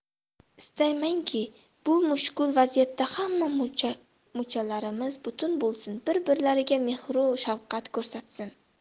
istaymenki bu mushkul vaziyatda hamma muchalarimiz butun bo'lsin bir birlariga mehru shafqat ko'rsatsin